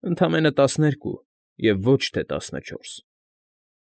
Ընդամենը տասներկու և ոչ թե տասնչորս։